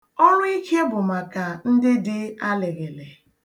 Ọrụ ike bụ maka ndị dị alịghịlị.